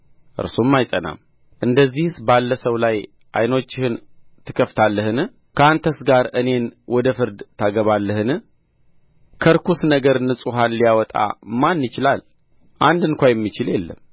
እርሱም አይጸናም እንደዚህስ ባለ ሰው ላይ ዓይኖችህን ትከፍታለህን ከአንተስ ጋር እኔን ወደ ፍርድ ታገባለህን ከርኩስ ነገር ንጹሕን ሊያወጣ ማን ይችላል አንድ እንኳ የሚችል የለም